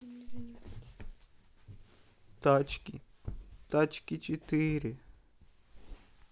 тачки тачки четыре